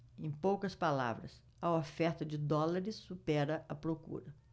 em poucas palavras a oferta de dólares supera a procura